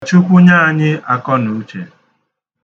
Ka Chukwu nye anyị akonauche.